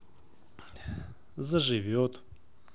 заживет